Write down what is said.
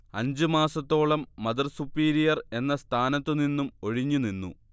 അഞ്ച് മാസത്തോളം mother superior എന്ന സ്ഥാനത്തു നിന്നും ഒഴിഞ്ഞു നിന്നു